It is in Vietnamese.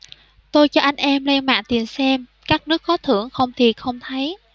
tôi cho anh em lên mạng tìm xem các nước có thưởng không thì không thấy